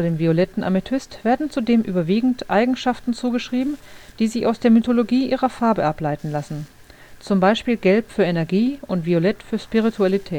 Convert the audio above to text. violetten Amethyst werden zudem überwiegend Eigenschaften zugeschrieben, die sich aus der Mythologie ihrer Farbe ableiten lassen; z. B. gelb für Energie und violett für Spiritualität